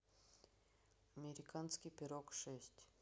американский пирог шесть